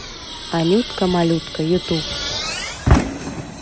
анютка малютка ютуб